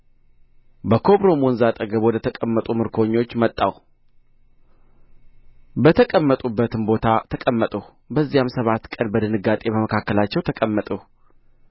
በኮቦርም ወንዝ አጠገብ ወደ ተቀመጡ ምርኮኞች መጣሁ በተቀመጡበትም ቦታ ተቀመጥሁ በዚያም ሰባት ቀን በድንጋጤ በመካከላቸው ተቀመጥሁ